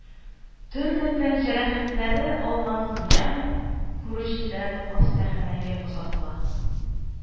Төрле тән җәрәхәтләре алган зыян күрүчеләр хастаханәгә озатыла